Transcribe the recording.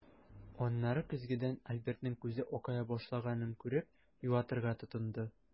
Аннары көзгедән Альбертның күзе акая башлаганын күреп, юатырга тотынды.